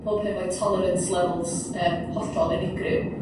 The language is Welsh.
...powb hefo'u tolerance levels yym hollol unigryw.